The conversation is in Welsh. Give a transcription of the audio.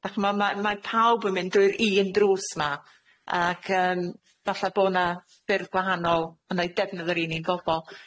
Ac ma' ma' mae pawb yn mynd drwy'r un drws 'ma ac yym falle bo' 'na ffyrdd gwahanol yn eu defnydd yr un un gobol.